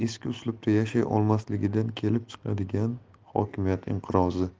eski uslubda yashay olmasligidan kelib chiqadigan hokimiyat inqirozi